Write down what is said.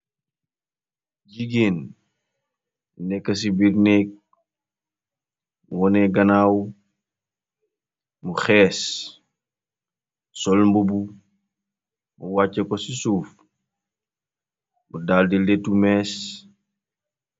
Jigéen nekk ci biir nekk woneh ganaaw. Mu xees sol mbo bu, mu wàje ko ci suuf, mu daal di lettu mees.